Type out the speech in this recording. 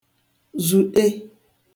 zùṭe